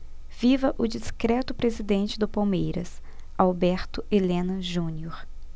viva o discreto presidente do palmeiras alberto helena junior